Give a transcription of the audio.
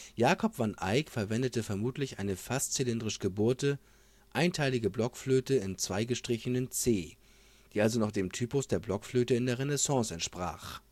Jacob van Eyck verwendete vermutlich eine fast zylindrisch gebohrte, einteilige Blockflöte in c’’, die also noch dem Typus der Blockflöte in der Renaissance entsprach